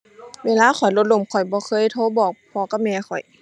เวลาข้อยรถล้ม ข้อยบ่เคยโทรบอกพ่อกับแม่ข้อย